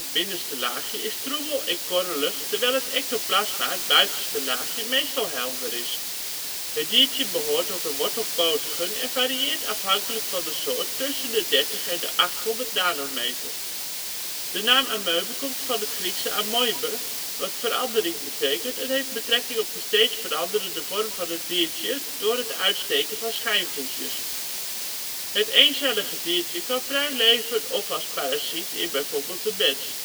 binnenste laagje) is troebel en korrelig terwijl het ectoplasma (buitenste laagje) meestal helder is. Het diertje behoort tot de wortelpotigen en varieert afhankelijk van de soort tussen de 30 en 800 µm. De naam amoebe komt van het Griekse amoibe, wat verandering betekent en heeft betrekking op de steeds veranderende vorm van het diertje door het uitsteken van schijnvoetjes. Het eencellig diertje kan vrij leven of als parasiet in bijvoorbeeld de mens